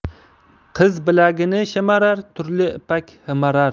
qiz bilagini shimarar turli ipakhimarar